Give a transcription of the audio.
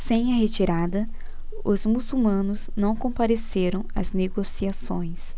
sem a retirada os muçulmanos não compareceram às negociações